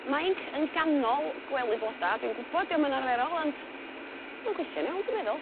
Mainc yn ganol gwely bloda dwi'n gwbod 'di o'm yn arferol ond ma'n gweithio'n iawn dwi meddwl.